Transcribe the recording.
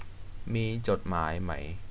มีจดหมายไหม